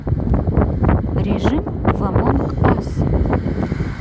режим в among us